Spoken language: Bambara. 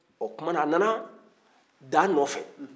o tuma na a nana da nɔfɛ